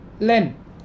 เล่น